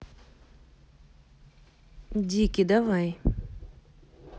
дикий давай